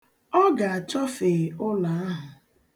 Ọ ga-achọfe ụlọ ahụ.